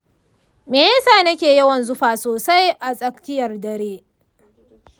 me yasa nake yawan zufa sosai a tsakiyar dare?